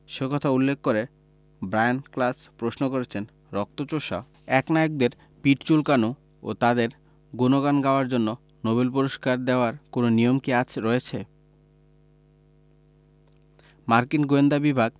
সে কথা উল্লেখ করে ব্রায়ান ক্লাস প্রশ্ন করেছেন রক্তচোষা একনায়কদের পিঠ চুলকানো ও তাঁদের গুণগান গাওয়ার জন্য নোবেল পুরস্কার দেওয়ার কোনো নিয়ম কি আছে রয়েছে মার্কিন গোয়েন্দা বিভাগ